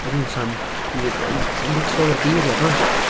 Erbyn hyn, 'sna'm byd yn, 'sna'm byd tu ôl i'r geiria, bron.